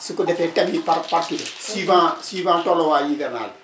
su ko defee thèmes yi par par kii la suivant suivant tolluwaay hivernal bi